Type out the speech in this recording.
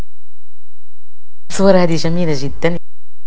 صور هديه جميله جدا